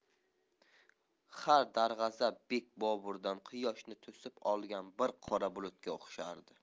har darg'azab bek boburdan quyoshni to'sib olgan bir qora bulutga o'xshardi